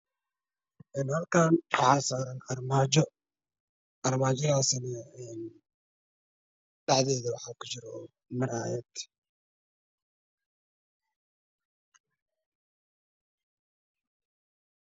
Waa qol waxaa yaalo arrimaajo midabkeedu yahay madow waxay leedahay muraayad waxaa ka muuqda sariirta